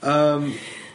Yym.